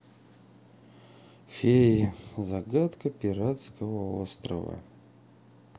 феи загадка пиратского острова